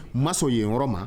Ma yen yɔrɔ ma